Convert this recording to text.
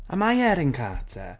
Am I Erin Carter?